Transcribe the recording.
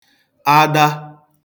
ada